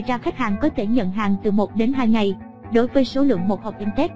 ngoài ra khách hàng có thể nhận hàng từ đến ngày đối với số lượng hộp in test